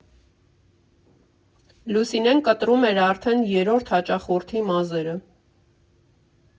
Լուսինեն կտրում էր արդեն երրորդ հաճախորդի մազերը։